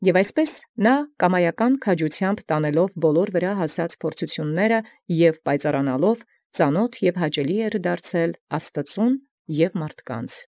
Եւ այնպէս ամենայն փորձութեանց ի վերայ հասելոց կամայական քաջութեամբ տարեալ և պայծառացեալ՝ ծանաւթական և հաճոյ լինէր Աստուծոյ և մարդկան։